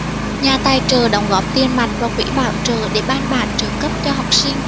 nhà tài trợ đóng góp tiền mặt vào quỹ bảo trợ để ban bản trợ cấp cho học sinh